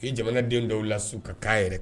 K'i jamanadenw dɔw lasiw ka'a yɛrɛ